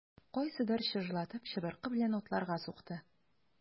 Кайсыдыр чыжлатып чыбыркы белән атларга сукты.